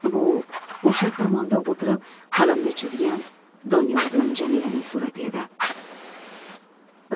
bu o'sha xirmonda o'tirib qalamda chizgan doniyor bilan jamilaning surati edi